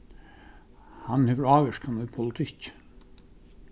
hann hevur ávirkan í politikki